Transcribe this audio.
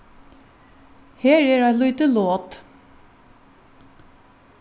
her er eitt lítið lot